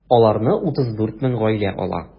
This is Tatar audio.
Аларны 34 мең гаилә ала.